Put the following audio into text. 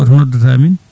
hoto noddata min